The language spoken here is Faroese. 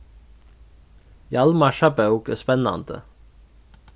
hjalmarsa bók er spennandi